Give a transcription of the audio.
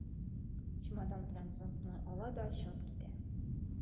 Чемодан белән зонтны ала да чыгып китә.